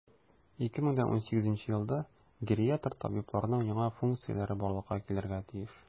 2018 елда гериатр табибларның яңа функцияләре барлыкка килергә тиеш.